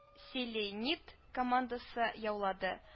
Селенит командасы яулады